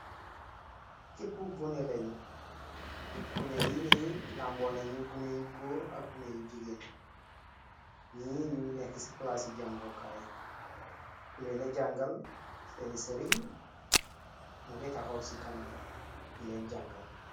kipp gune lañu kune yi ni lambooneñu gune yu góor ak gune yu jigéent ñi ñu nekk ci plaaci jangookaay kuleena jàngal seeni sariñ mu ngay taxaw ci kanam ti leen jàngal